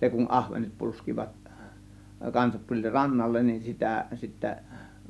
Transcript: se kun ahvenet polskivat kanssa tuli rannalle niin sitä sitten